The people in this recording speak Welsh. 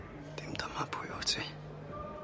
Dim dyma pwy wyt ti.